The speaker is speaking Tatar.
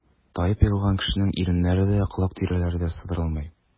Таеп егылган кешенең иреннәре дә, колак тирәләре дә сыдырылмый.